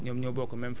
ak mboq maïs